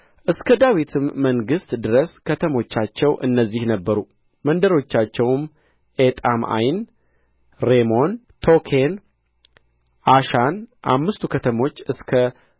እስከ ዳዊትም መንግሥት ድረስ ከተሞቻቸው እነዚህ ነበሩ መንደሮቻቸውም ኤጣም ዓይን ሬሞን ቶኬን ዓሻን አምስቱ ከተሞች እስከ